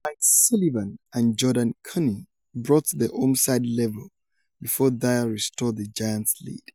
Mike Sullivan and Jordan Cownie brought the home side level before Dwyer restored the Giants' lead.